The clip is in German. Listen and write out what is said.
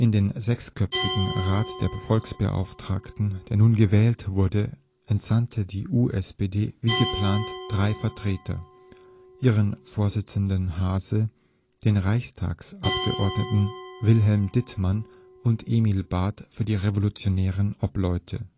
den sechsköpfigen „ Rat der Volksbeauftragten “, der nun gewählt wurde, entsandte die USPD wie geplant drei ihrer Vertreter: ihren Vorsitzenden Haase, den Reichstagsabgeordneten Wilhelm Dittmann und Emil Barth für die Revolutionären Obleute